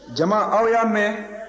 jama aw y'a mɛn